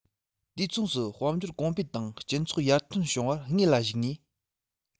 དུས མཚུངས སུ དཔལ འབྱོར གོང འཕེལ དང སྤྱི ཚོགས ཡར ཐོན བྱུང ཚུལ དངོས ལ གཞིགས ནས